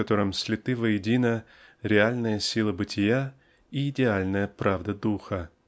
в котором слиты воедино реальная сила бытия и идеальная правда духа.